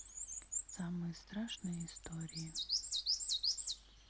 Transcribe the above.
самые страшные истории